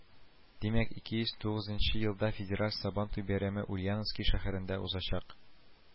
Димәк, ике йөз тугызынчы елда федераль Сабантуй бәйрәме Ульяновский шәһәрендә узачак